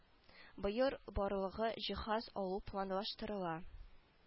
Быел барлыгы җиһаз алу планлаштырыла